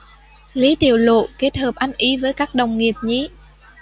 lý tiểu lộ kết hợp ăn ý với các đồng nghiệp nhí